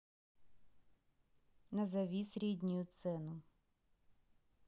назови среднюю цену